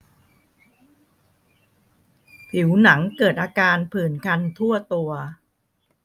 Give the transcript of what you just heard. ผิวหนังเกิดอาการผื่นคันทั่วตัว